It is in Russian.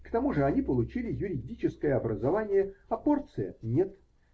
к тому же они получили юридическое образование, а Порция нет.